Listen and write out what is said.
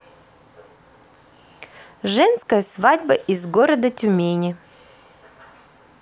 женская свадьба из города тюмени